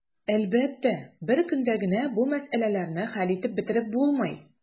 Әлбәттә, бер көндә генә бу мәсьәләләрне хәл итеп бетереп булмый.